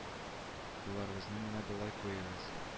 - кулларыгызны менә болай куегыз